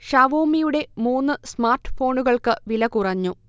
ഷാവോമിയുടെ മൂന്ന് സ്മാർട്ഫോണുകൾക്ക് വില കുറഞ്ഞു